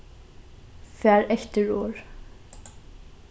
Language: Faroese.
far eftir orð